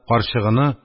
Карчыгыны